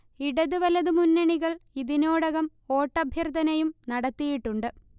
ഇടത് വലത് മുന്നണികൾ ഇതിനോടകം വോട്ടഭ്യർത്ഥനയും നടത്തിയിട്ടുണ്ട്